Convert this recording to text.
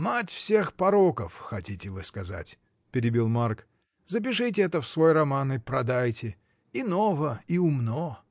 — Мать всех пороков, хотите вы сказать, — перебил Марк, — запишите это в свой роман и продайте. И ново, и умно.